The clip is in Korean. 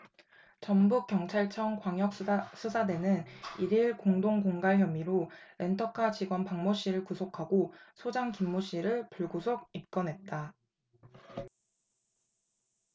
전북경찰청 광역수사대는 일 일 공동공갈 혐의로 렌터카 직원 박모씨를 구속하고 소장 김모씨를 불구속 입건했다